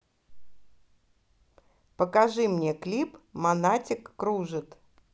покажи мне клип монатик кружит